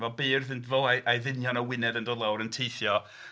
Mae beirdd yn a'i ddynion o Wynedd yn dod lawr yn teithio.